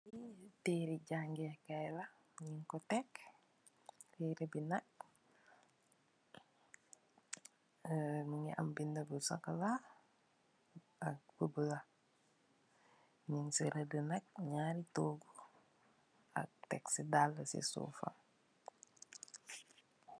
Teereh jangee la nyungko tek, teereh bi nak, mungi am binda bu sokolaa, ak bu bulah, mung si redh nk nyaari toogu, ak tek si daala si suufam.